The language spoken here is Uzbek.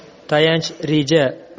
tayanch reja